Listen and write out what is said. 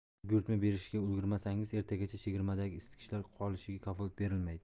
hozir buyurtma berishga ulgurmasangiz ertagacha chegirmadagi isitgichlar qolishiga kafolat berilmaydi